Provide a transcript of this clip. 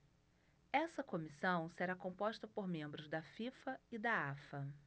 essa comissão será composta por membros da fifa e da afa